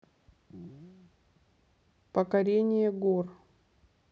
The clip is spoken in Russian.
покорение гор